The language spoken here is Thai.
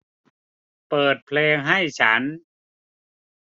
เปิดเพลงให้ฉัน